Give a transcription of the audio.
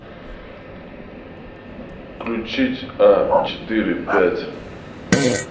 включить а четыре пять